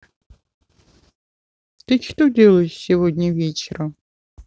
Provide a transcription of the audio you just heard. что ты делаешь сегодня вечером